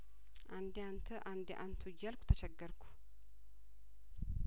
አንዴ አንተ አንዴ አንቱ እያልሁ ተቸገርኩ